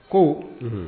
Ko h